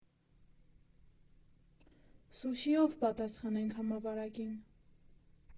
Սուշիո՛վ պատասխանենք համավարակին։